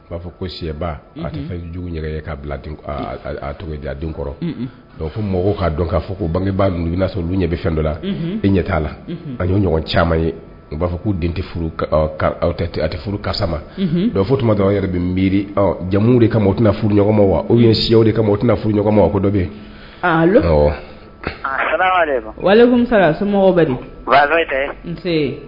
U b'a fɔ ko siba a jugu yɛrɛ k'a bila tugu den kɔrɔ dɔw fɔ mɔgɔw k'a dɔn k'a fɔ ko bangebaa minnu bɛna'a sɔrɔ olu' ɲɛ bɛ fɛn dɔ la i ɲɛ t'a la a ye ɲɔgɔn caman ye u b'a fɔ k'u tɛ a tɛ furu karisasa ma dɔw fɔ tuma dɔrɔn yɛrɛ bɛ miri jamumu de kama o tɛnaina furu ɲɔgɔn ma wa o ye si de kama o tɛnaina furu ɲɔgɔnma ma ko dɔ bɛ wasa bɛ